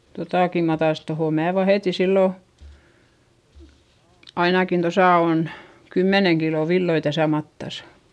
tuotakin minä taisin tuohon minä vahetin silloin ainakin tuossa on kymmenen kiloa villoja tässä matassa